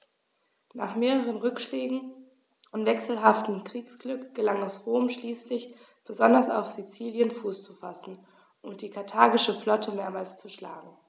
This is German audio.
Nach mehreren Rückschlägen und wechselhaftem Kriegsglück gelang es Rom schließlich, besonders auf Sizilien Fuß zu fassen und die karthagische Flotte mehrmals zu schlagen.